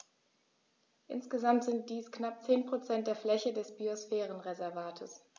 Insgesamt sind dies knapp 10 % der Fläche des Biosphärenreservates.